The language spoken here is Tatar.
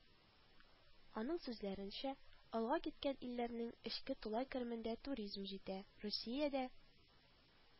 Аның сүзләренчә, алга киткән илләрнең эчке тулай керемендә туризм җитә, Русиядә